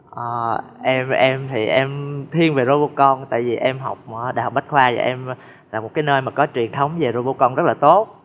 à em em thì em thiên về rô bô con tại vì em học ở đại học bách khoa thì em là một cái nơi mà có truyền thống về rô bô con rất là tốt